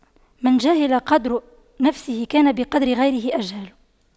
من جهل قدر نفسه كان بقدر غيره أجهل